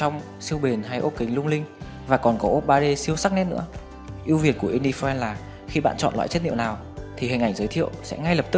dẻo trong siêu bền hay ốp kính lung linh và còn có ốp d siêu sắc nét nữa ưu việt của indyfriend là khi bạn chọn loại chất liệu nào thì hình ảnh giới thiệu sẽ ngay lập tức